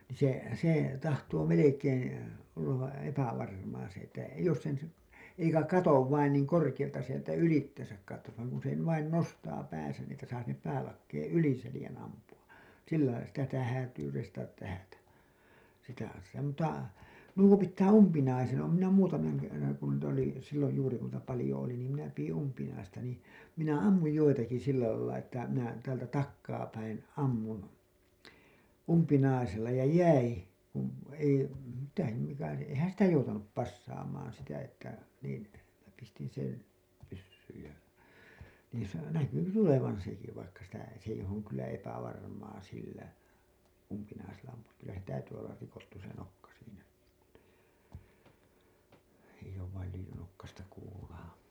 niin se se tahtoo melkein olla - epävarmaa se että jos sen - eikä katso vain niin korkealta sieltä ylitsensä katsoisi vaan kun se vain nostaa päänsä niin että saa sinne päälakeen yli selän ampua sillä lailla sitä sitä häätyy reistata tähdätä sitä osaa mutta nuo pitää umpinaisen olen minä muutaman kerran kun niitä oli silloin juuri kun niitä paljon oli niin minä pidin umpinaista niin minä ammuin joitakin sillä lailla että minä täältä takaa päin ammuin umpinaisella ja jäi kun ei mitä se mikä se eihän sitä joutanut passaamaan sitä että niin minä pistin sen pyssyyn ja niin - näkyi se tulevan sekin vaikka sitä se ei on kyllä epävarmaa sillä umpinaisella ampua kyllä se täytyy olla rikottu se nokka siinä ei ole vain lyijynokkaista kuulaa